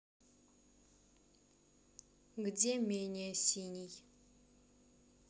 где менее синий